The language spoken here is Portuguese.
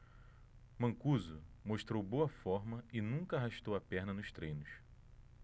mancuso mostrou boa forma e nunca arrastou a perna nos treinos